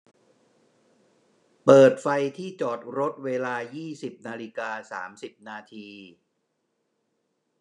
เปิดไฟที่จอดรถเวลายี่สิบนาฬิกาสามสิบนาที